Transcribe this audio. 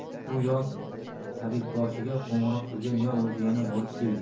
u yo tabibboshiga qo'ng'iroq qilgan yo o'zi yana borib kelgan